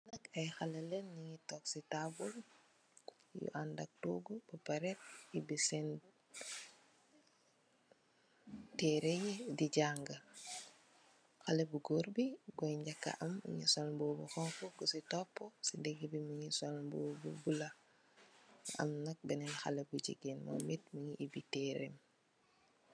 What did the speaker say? ay haley len nu nga tokk ci tabul yu andal togu ba pareh uobi seen tahri di janga haley bu gorr bi koy naka am mu nga sol mbubb bu xowha ku ci topa mu nga sol mbubb bu bulo am na benn haley bu jigeen uobi tahri